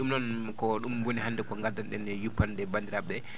ɗum noon ko ɗum woni hannde ko ngaddanɗen e yuppande banndiraaɓe ɓee